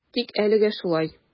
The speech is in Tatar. Тик әлегә шулай.